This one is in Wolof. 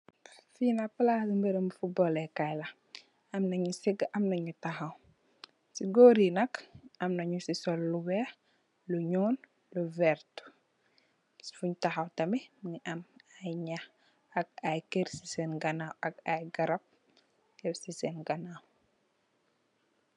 fii nak palasi mbirum footballeh kay lah. Am na nyu seug, am na nyu takhaw, si gooryi nak, am na nyusi sol lu wekh , lu nyul , lu vert. Funyu takhaw tamit mu ngi am ay nyakh, ak ay keur si sen ganaw, ak ay garapp yep si sen ganaw.